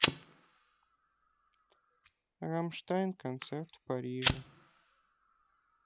рамштайн концерт в париже